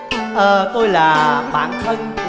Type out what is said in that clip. ờ tôi là bạn thân